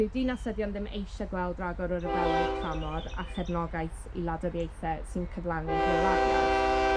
Dyw dinasyddion ddim eisiau gweld ragor o ryfeloedd tramor a chefnogaeth i wladwriaethe sy'n cyflawni hil-laddiad.